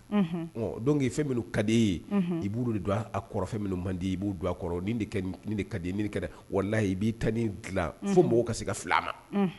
Don' fɛn minnu kadi ye i b' minnu man di i b'u a kɔrɔ ka di wayi i b'i ta ni dila fo mɔgɔw ka se ka ma